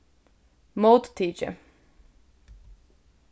móttikið